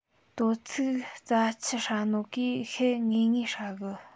དོ ཚིགས རྩྭ ཆུ ཧྲ ནོ གིས ཤེད ངེས ངེས ཧྲ གི